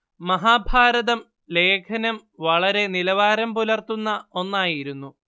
മഹാഭാരതം ലേഖനം വളരെ നിലവാരം പുലര്‍ത്തുന്ന ഒന്നായിരുന്നു